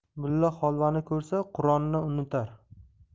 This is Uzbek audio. mulla holvani ko'rsa qur'onni unutar